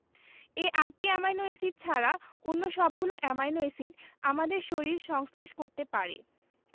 এই আটটি amino acid ছাড়া অন্য সবগুলো অ্যামাইনো এসিড আমাদের শরীর সংশ্লেষ করতে পারে